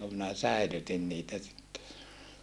kun minä säilytin niitä sitten